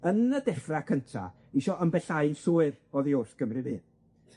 yn y dechra cynta, isio ymbellau'n llwyr oddi wrth Gymru Fydd.